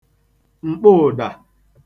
m̀kpọụ̀dà